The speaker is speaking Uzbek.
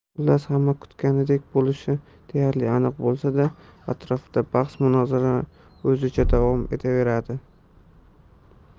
xullas hammasi kutilganidek bo'lishi deyarli aniq bo'lsa da atrofda bahs munozara o'zicha davom etaveradi